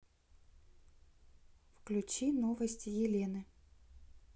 включи новости елены